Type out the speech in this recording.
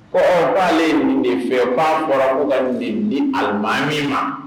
Kɔrɔ le nin de fɛfaa kɔrɔ le ni a ma min ma